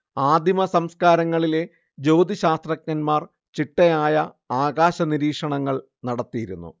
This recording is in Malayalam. ആദിമസംസ്കാരങ്ങളിലെ ജ്യോതിശാസ്ത്രജ്ഞന്മാർ ചിട്ടയായ ആകാശനിരീക്ഷണങ്ങൾ നടത്തിയിരുന്നു